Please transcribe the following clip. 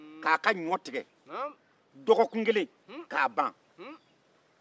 k'a ka ɲɔ tigɛ k'a ban dɔgɔkun kelen